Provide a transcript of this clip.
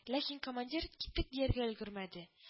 Ләкин командир киттек! дияргә өлгермәде